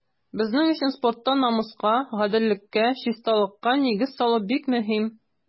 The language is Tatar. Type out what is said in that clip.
Безнең өчен спортта намуска, гаделлеккә, чисталыкка нигез салу бик мөһим.